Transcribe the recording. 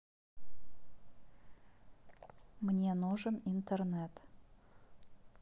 мне нужен интернет